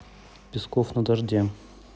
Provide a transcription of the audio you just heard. песков на дожде